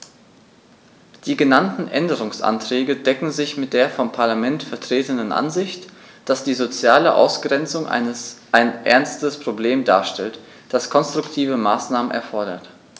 Die genannten Änderungsanträge decken sich mit der vom Parlament vertretenen Ansicht, dass die soziale Ausgrenzung ein ernstes Problem darstellt, das konstruktive Maßnahmen erfordert.